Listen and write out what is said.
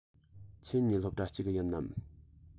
ཁྱེད གཉིས སློབ གྲྭ གཅིག གི ཡིན ནམ